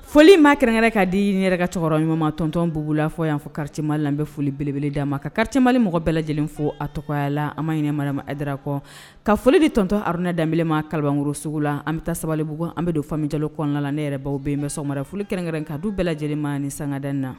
Foli ma kɛrɛnkɛrɛn kaa di ɲini yɛrɛ ka cɛkɔrɔba ɲɔgɔnma tɔntɔn b la fɔ y' fɔ kariti mali an bɛ foli belebele d a ma katɛma mali mɔgɔ bɛɛ lajɛlen fɔ a tɔgɔya la an ma ɲinimadra kɔ ka foli ni tɔntɔn hare danbɛlɛma kalibanro sugu la an bɛ taa sabaliugu an bɛ don fɔmija kɔn la ne yɛrɛ baw bɛn bɛ soma folirɛnkɛrɛn ka du bɛɛ lajɛlenma ni sangad na